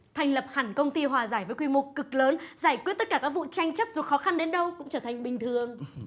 thành lập hẳn công ty hòa giải với quy mô cực lớn giải quyết tất cả các vụ tranh chấp dù khó khăn đến đâu cũng trở thành bình thường